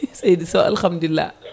seydi Sow alhamdulillah